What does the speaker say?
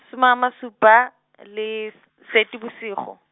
some ama supa, le s- Seetebosigo.